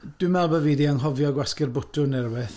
Dwi'n meddwl bo' fi 'di anghofio gwasgu'r botwm neu rywbeth.